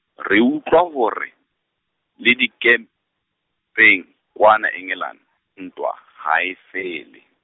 re utlwa hore, le dikepeng kwana Engelane, ntwa ha e fele.